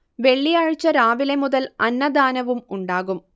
വെള്ളിയാഴ്ച രാവിലെ മുതൽ അന്നദാനവും ഉണ്ടാകും